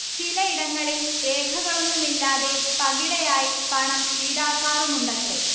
ചിലയിടങ്ങളിൽ രേഖകളൊന്നുമില്ലാതെ പകിടയായി പണം ഈടാക്കാറുമുണ്ടത്രെ